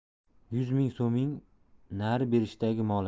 yuz ming so'mning nari berisidagi mol a